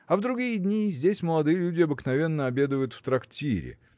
а в другие дни – здесь молодые люди обыкновенно обедают в трактире